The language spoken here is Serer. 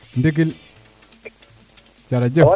ndigil jejejef Faye